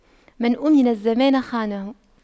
من أَمِنَ الزمان خانه